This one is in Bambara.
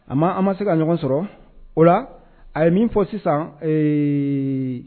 A ma an ma se ka ɲɔgɔn sɔrɔ o la a ye min fɔ sisan ee